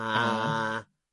a